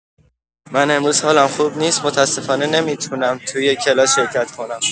من امروز حالم خوب نیست متاسفانه نمی‌تونم توی کلاس شرکت کنم.